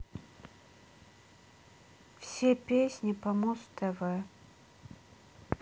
все песни по муз тв